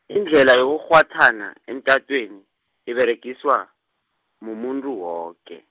indlhela yokukghwathana, emtatweni, iberegiswa, mumuntu woke.